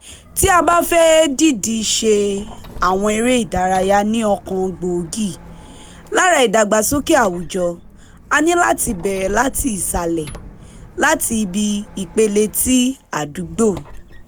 Tí a bá fẹ́ dìídì ṣe àwọn eré ìdárayá ní ọ̀kan gbòógì lára ìdàgbàsókè àwùjọ, a ní láti bẹ̀rẹ̀ láti ìsàlẹ̀, láti ibi ìpele ti àdúgbò.